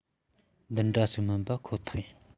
འདི འདྲ ཞིག མིན པ ཁོ ཐག རེད